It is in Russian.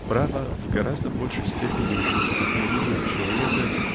Право в гораздо большей степени дисциплинирует человека